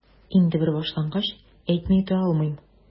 Инде бер башлангач, әйтми үтә алмыйм...